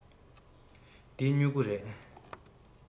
འདི སྨྲུ གུ རེད